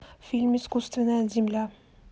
фильм искусственная земля